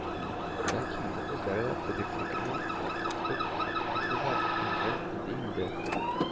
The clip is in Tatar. Ләкин бу күзләрдә тереклекнең актык чаткысы да сүнгән иде инде